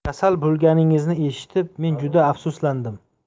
kasal bo'lganingizni eshitib men juda afsuslandim